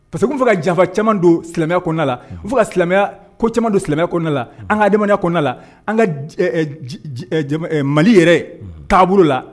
Pa que tun' fɛ ka jafa caman don silamɛya kɔnɔ la u fo ka silamɛya ko caman don silamɛya la an ka adamaya kɔnɔna la an ka mali yɛrɛ taabolouru la